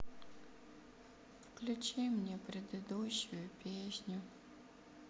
включи мне предыдущую песню